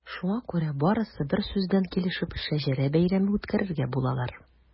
Шуңа күрә барысы берсүздән килешеп “Шәҗәрә бәйрәме” үткәрергә булалар.